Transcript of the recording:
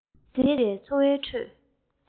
འདས ཟིན པའི འཚོ བའི ཁྲོད